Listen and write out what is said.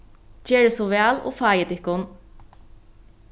gerið so væl og fáið tykkum